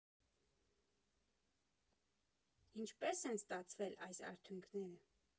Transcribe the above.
Ինչպե՞ս են ստացվել այս արդյունքները։